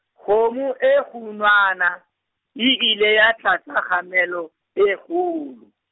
kgomo e kgunwana, e ile ya tlatsa kgamelo, e kgolo.